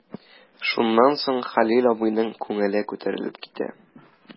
Шуннан соң Хәлил абыйның күңеле күтәрелеп китә.